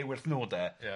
ewyrth n'w, 'de? Ia.